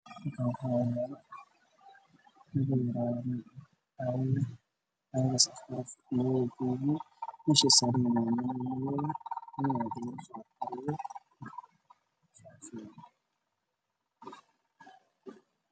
Halkaan waxaa yaalo karemo midabkooda yahay qaxwi iyo madow